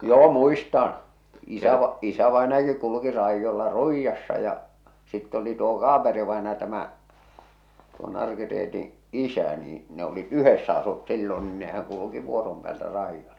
joo muistan - isävainajakin kulki raidolla Ruijassa ja sitten oli tuo Kaaperi-vainaja tämä tuo Narki-Reetin isä niin ne olivat yhdessä asuivat silloin niin nehän kulki vuoron päältä raidoilla